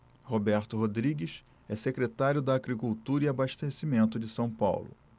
roberto rodrigues é secretário da agricultura e abastecimento de são paulo